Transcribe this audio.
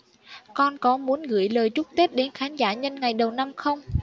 con có muốn gửi lời chúc tết đến khán giả nhân ngày đầu năm không